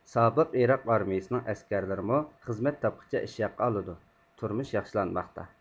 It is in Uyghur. سابىق ئىراق ئارمىيىسىنىڭ ئەسكەرلىرىمۇ خىزمەت تاپقىچە ئىش ھەققى ئالىدۇ تۇرمۇش ياخشىلانماقتا